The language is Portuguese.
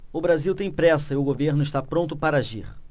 o brasil tem pressa e o governo está pronto para agir